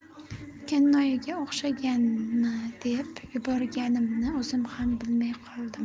kennoyiga o'xshaganmi deb yuborganimni o'zim ham bilmay qoldim